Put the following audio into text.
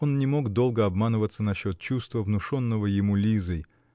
он не мог долго обманываться насчет чувства, внушенного ему Лизой